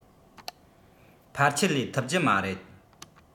ཕལ ཆེལ ལས ཐུབ རྒྱུ མ རེད